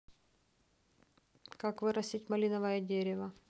как вырастить малиновое дерево